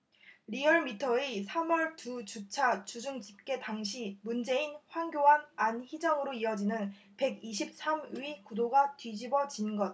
리얼미터의 삼 월 두 주차 주중집계 당시 문재인 황교안 안희정으로 이어지는 백 이십 삼 위 구도가 뒤집어진 것